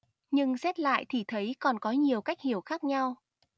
nhưng xét lại thì thấy còn có nhiều cách hiểu khác nhau